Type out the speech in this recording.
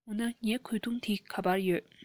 འོ ན ངའི གོས ཐུང དེ ག པར ཡོད